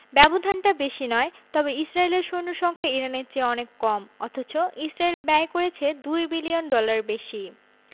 ব্যবধানটা বেশি নয় তবে ইসরায়েলের সৈন্য সংখ্যা ইরানের চেয়ে অনেক কম অথচ ইসরায়েল ব্যয় করছে ২ বিলিয়ন ডলার বেশি